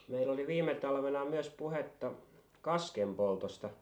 meillä oli viime talvena myös puhetta kaskenpoltosta